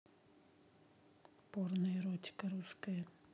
порно эротика русская